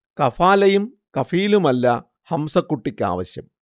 ഖഫാലയും ഖഫീലുമല്ല ഹംസകുട്ടിക്കാവശ്യം